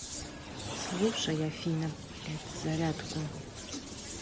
слушай афина блядь зарядку